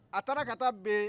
a taara ka taa bɛn